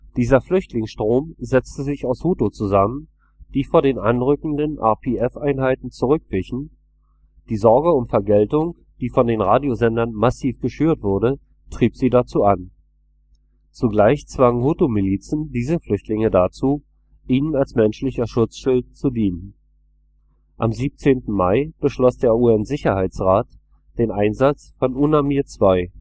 Dieser Flüchtlingsstrom setzte sich aus Hutu zusammen, die vor den anrückenden RPF-Einheiten zurückwichen. Die Sorge vor Vergeltung, die von den Radiosendern massiv geschürt wurde, trieb sie dazu an. Zugleich zwangen Hutu-Milizen diese Flüchtlinge dazu, ihnen als menschlicher Schutzschild zu dienen. Am 17. Mai beschloss der UN-Sicherheitsrat den Einsatz von UNAMIR II